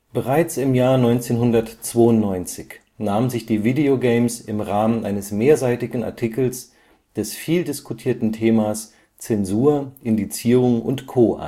Bereits im Jahr 1992 nahm sich die Video Games im Rahmen eines mehrseitigen Artikels der vieldiskutierten Themas „ Zensur, Indizierung & Co.